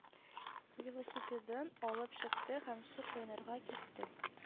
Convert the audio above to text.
Велосипедын алып чыкты һәм су коенырга китте